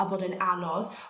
a bod e'n anodd